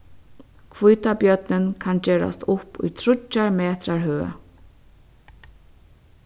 hvítabjørnin kann gerast upp í tríggjar metrar høg